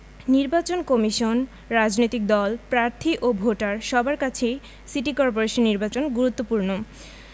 নির্বাচন কমিশন রাজনৈতিক দল প্রার্থী ও ভোটার সবার কাছেই সিটি করপোরেশন নির্বাচন গুরুত্বপূর্ণ